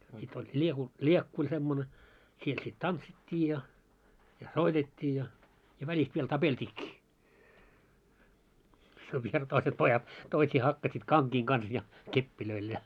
sitten oli - liekku oli semmoinen siellä sitten tanssittiin ja ja soitettiin ja ja välistä vielä tapeltiinkin se vielä toiset pojat toisia hakkasivat kankien kanssa ja kepeillä ja